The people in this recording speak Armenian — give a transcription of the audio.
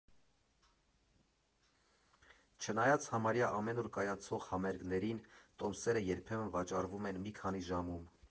Չնայած համարյա ամեն օր կայացող համերգներին, տոմսերը երբեմն վաճառվում են մի քանի ժամում։